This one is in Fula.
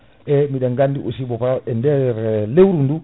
eyyi biɗen gandi aussi bo * e nder lewru ndu